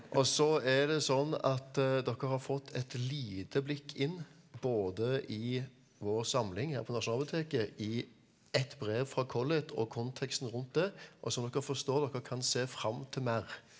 og så er det sånn at dere har fått et lite blikk inn både i vår samling her på Nasjonalbiblioteket i ett brev fra Collett og konteksten rundt det, og som dere forstår, dere kan se fram til mer.